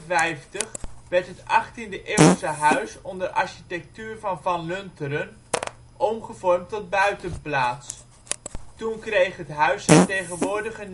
1856 werd het 18e eeuwse huis onder architectuur van Van Lunteren omgevormd tot buitenplaats. Toen kreeg het huis zijn tegenwoordige